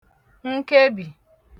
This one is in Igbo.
nkebì